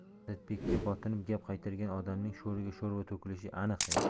asadbekka botinib gap qaytargan odamning sho'riga sho'rva to'kilishi aniq edi